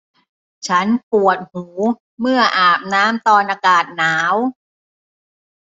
ฉันปวดหูเมื่ออาบน้ำตอนอากาศหนาว